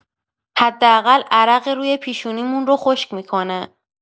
حداقل عرق روی پیشونیمون رو خشک می‌کنه.